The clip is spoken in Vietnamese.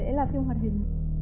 sẽ là phim hoạt hình